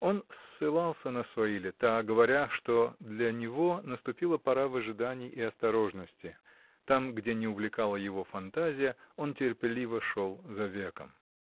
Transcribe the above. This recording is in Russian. Он ссылался на свои лета, говоря, что для него наступила пора выжидания и осторожности: там, где не увлекала его фантазия, он терпеливо шел за веком.